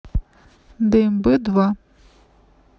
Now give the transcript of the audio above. дмб два